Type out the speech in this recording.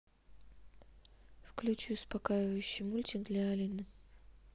включи успокаивающий мультик для алины